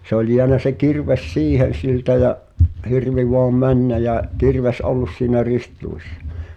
se oli jäänyt se kirves siihen siltä ja hirvi vain mennä ja kirves ollut siinä ristiluissa